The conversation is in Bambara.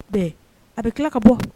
Bɛn a bɛ tila ka bɔ